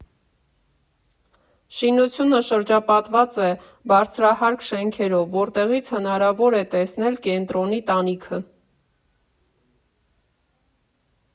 Շինությունը շրջապատված է բարձրահարկ շենքերով, որտեղից հնարավոր է տեսնել կենտրոնի տանիքը։